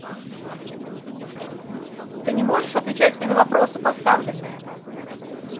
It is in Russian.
ты не можешь отвечать мне на вопросы поставленные